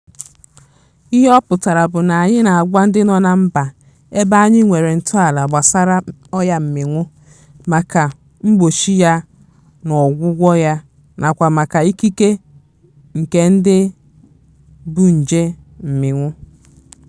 Ihe ọ pụtara bụ na anyị na-agwa ndị nọ na mba ebe anyị nwere ntọala gbasara HIV, maka mgbochi ya na ọgwụgwọ ya nakwa maka ikike nke ndị bu nje HIV.